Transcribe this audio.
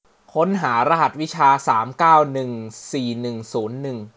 ค้นหารหัสวิชาสามเก้าหนึ่งสี่หนึ่งศูนย์หนึ่ง